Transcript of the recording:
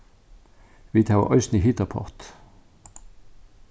vit hava eisini hitapott